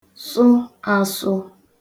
sụ àsụ